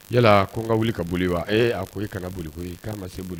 Yala ko ka wuli ka boli wa a ko e ka ka boli ye k'an ka se boli